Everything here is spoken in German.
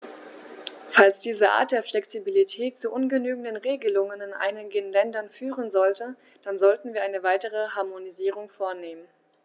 Falls diese Art der Flexibilität zu ungenügenden Regelungen in einigen Ländern führen sollte, dann sollten wir eine weitere Harmonisierung vornehmen.